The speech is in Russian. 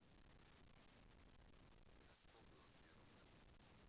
да что было в первом году